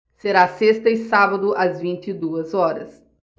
será sexta e sábado às vinte e duas horas